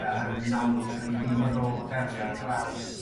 y oherwydd yn amlwg os 'da ni ddim yn rôl fodelu ar draws